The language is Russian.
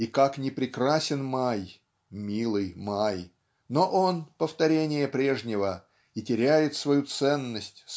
И как ни прекрасен май, "милый май", но он - повторение прежнего и теряет свою ценность